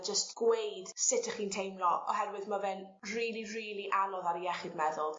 jyst gweud sut 'ych chi'n teimlo oherwydd ma' fe'n rili rili anodd ar iechyd meddwl.